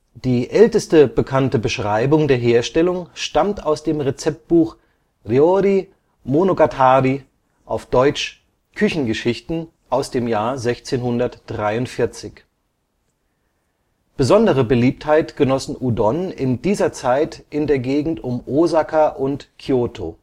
Die älteste bekannte Beschreibung der Herstellung stammt aus dem Rezeptbuch Ryōri monogatari (料理物語, deutsch: „ Küchengeschichten “) von 1643. Besondere Beliebtheit genossen Udon in dieser Zeit in der Gegend um Ōsaka und Kyōto